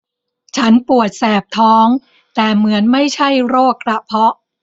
ฉันปวดแสบท้องแต่เหมือนไม่ใช่โรคกระเพาะ